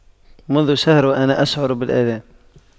منذ شهر وأنا أشعر بالآلام